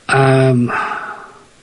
A yym oh.